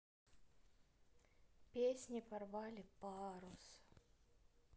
песни порвали парус